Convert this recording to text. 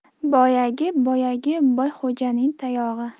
boyagi boyagi boyxo'janing tayog'i